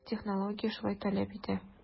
Технология шулай таләп итә.